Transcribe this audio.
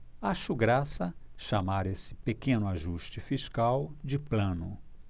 acho graça chamar esse pequeno ajuste fiscal de plano